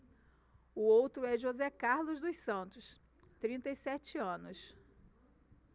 o outro é josé carlos dos santos trinta e sete anos